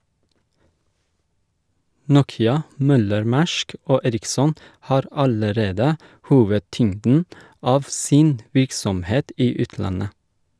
Nokia, Møller-Mærsk og Ericsson har allerede hovedtyngden av sin virksomhet i utlandet.